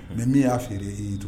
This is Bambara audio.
Mɛ min y'a feere ye y'i to